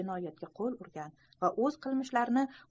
jinoyatga qo'l urgan va o'z qilmishlarini